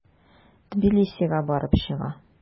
Тбилисига барып чыга.